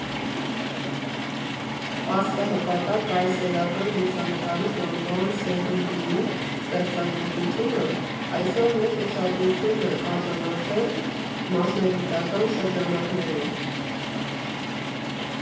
Պարսկահպատակ, կայսերական լուսանկարիչ Անտուան Սևրուգինի ստեղծագործությունն այսօր մեծ ուշադրություն է արժանացել մասնագիտական շրջանակներում։